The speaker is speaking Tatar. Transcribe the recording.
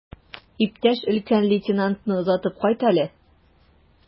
Иптәш өлкән лейтенантны озатып кайт әле.